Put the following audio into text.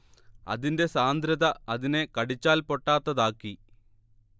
അതിന്റെ സാന്ദ്രത അതിനെ കടിച്ചാൽ പൊട്ടാത്തതാക്കി